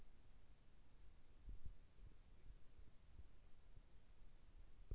расскажи любое стихотворение пушкина